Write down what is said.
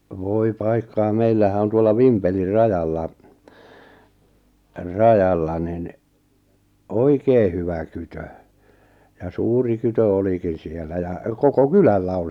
voi paikkaa meillähän on tuolla Vimpelin rajalla rajalla niin oikein hyvä kytö ja suuri kytö olikin siellä ja koko kylällä on